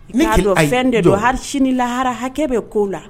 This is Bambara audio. Ne ken ayi ijɔ dɔn i k'a dɔn fɛn de don hali sini lahara hakɛ bɛ koo la